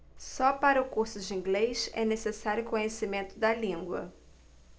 só para o curso de inglês é necessário conhecimento da língua